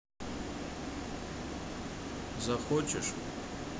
захочешь